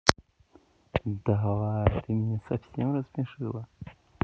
давай ты меня совсем расмешила